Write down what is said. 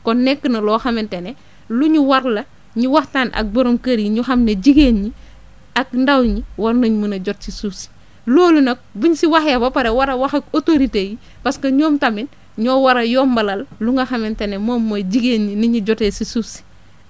kon nekk na loo xamante ne lu ñu war la ñu waxtaan ak borom kër yi ñu xam ne jigéen ñi ak ndaw ñi war nañ mën a jot ci suuf si loolu nag buñ si waxee ba pare war a wax ak autorités yi parce que ñoom tamit ñoo war a yombalal lu nga xamante ne moom mooy jigéen ñi ni ñu jotee si suuf si